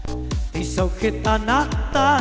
tình sầu khiến ta tan